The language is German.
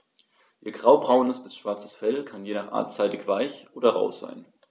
Ihr graubraunes bis schwarzes Fell kann je nach Art seidig-weich oder rau sein.